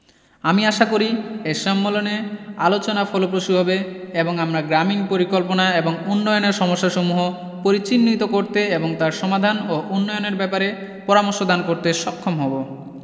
আমি আশা করি এ সম্মেলনে আলোচনা ফলপ্রসূ হবে এবং আমরা গ্রামীন পরিকল্পনা এবং উন্নয়নের সমস্যাসমূহ পরিচিহ্নিত করতে এবং তার সমাধান ও উন্নয়নের ব্যাপারে পরামর্শ দান করতে সক্ষম হবো